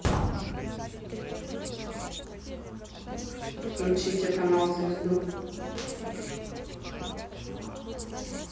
включите канал звезду